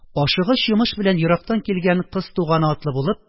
Ашыгыч йомыш белән ерактан килгән кыз туганы атлы булып